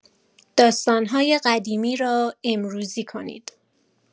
داستان‌های قدیمی را امروزی کنید!